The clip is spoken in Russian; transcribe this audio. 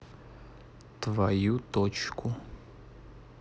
твою точку